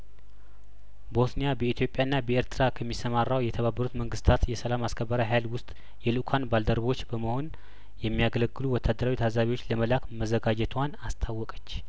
ቦስኒያበኢትዮጵያ ና በኤርትራ ከሚሰማራው የተባበሩት መንግስታት የሰላም አስከባሪ ሀይል ውስጥ የልኡካን ባልደረቦች በመሆን የሚያገለግሉ ወታደራዊ ታዛቢዎች ለመላክ መዘጋጀቷን አስታወቀች